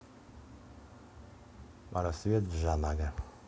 рассвет janaga